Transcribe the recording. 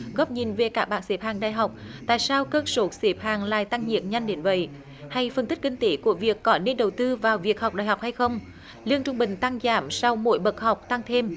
góc nhìn về các bảng xếp hạng đại học tại sao cơn sốt xếp hàng lại tăng nhiệt nhanh đến vậy hay phân tích kinh tế của việc có nên đầu tư vào việc học đại học hay không lương trung bình tăng giảm sau mỗi bậc học tăng thêm